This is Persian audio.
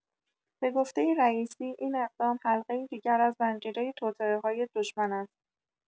به گفته رییسی، این اقدام حلقه‌ای دیگر از زنجیره توطئه‌های دشمن است.